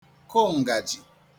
kụ ǹgàjì